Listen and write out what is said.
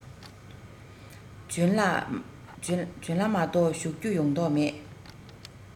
བྱོན ན མ གཏོགས བཞུགས རྒྱུ ཡོང གཏོགས མེད